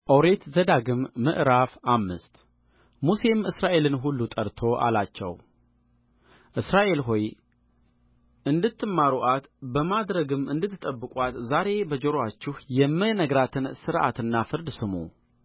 ኦሪት ዘዳግም ምዕራፍ አምስት ሙሴም እስራኤልን ሁሉ ጠርቶ አላቸው እስራኤል ሆይ እንድትማሩአት በማድረግም እንድትጠብቁአት ዛሬ በጆሮአችሁ የምናገራትን ሥርዓትና ፍርድ ስሙ